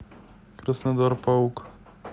краснодар паук